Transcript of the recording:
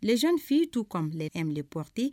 Les jeunes filles tout comme les aiment porter